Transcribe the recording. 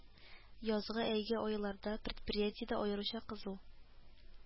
Язгы, әйге айларда предприятиедә аеруча кызу